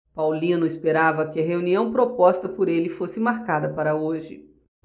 paulino esperava que a reunião proposta por ele fosse marcada para hoje